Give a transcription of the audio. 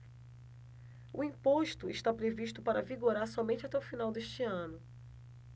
o imposto está previsto para vigorar somente até o final deste ano